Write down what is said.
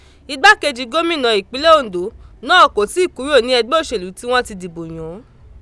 Igbákejì gómìnà ìpínlẹ̀ Oǹdó náà kò tíì kúrò ní ẹgbẹ́ òṣèlú tí wọ́n ti dìbò yàn án.